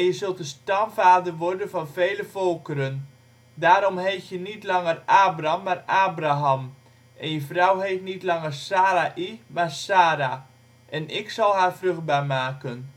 zult de stamvader worden van vele volkeren. Daarom heet je niet langer Abram, maar Abraham. En je vrouw heet niet langer Sarai, maar Sara. En ik zal haar vruchtbaar maken